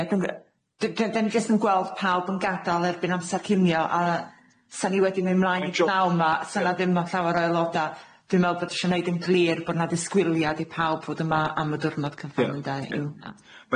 Ie dwi'n g- d- d- 'dan ni jyst yn gweld pawb yn gadal erbyn amsar cinio a 'sa ni wedi myn' mlaen i pnaen 'ma 'sa 'na ddim o llawer o aeloda dwi'n me'wl bod isho neud yn glir bo 'na ddisgwiliad i pawb fod yma am y dwrnod cyfan ynde?